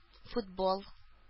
Футбол